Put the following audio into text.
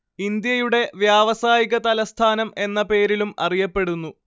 ഇന്ത്യയുടെ വ്യാവസായിക തലസ്ഥാനം എന്ന പേരിലും അറിയപ്പെടുന്നു